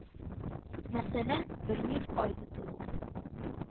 Мәсәлән, бер миф Ай тотылу